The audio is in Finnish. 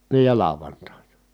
niin ja lauantaina